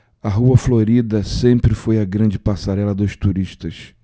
a rua florida sempre foi a grande passarela dos turistas